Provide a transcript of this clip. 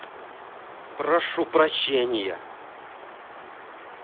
прошу прощения